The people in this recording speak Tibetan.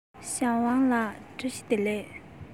ཞའོ ཝང ལགས བཀྲ ཤིས བདེ ལེགས